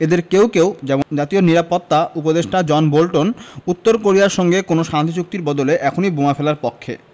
এঁদের কেউ কেউ যেমন জাতীয় নিরাপত্তা উপদেষ্টা জন বোল্টন উত্তর কোরিয়ার সঙ্গে কোনো শান্তি চুক্তির বদলে এখনই বোমা ফেলার পক্ষে